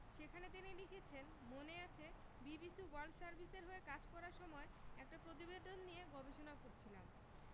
সেখানে তিনি লিখেছেন মনে আছে বিবিসি ওয়ার্ল্ড সার্ভিসের হয়ে কাজ করার সময় একটা প্রতিবেদন নিয়ে গবেষণা করছিলাম